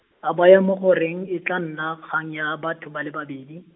a baya mo go reng, e tla nna kgang ya batho ba le babedi.